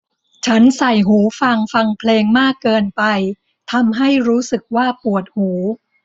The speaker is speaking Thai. ฉันใส่หูฟังฟังเพลงมากเกินไปทำให้รู้สึกว่าปวดหู